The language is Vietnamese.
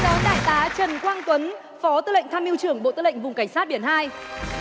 tá trần quang tuấn phó tư lệnh tham mưu trưởng bộ tư lệnh vùng cảnh sát biển hai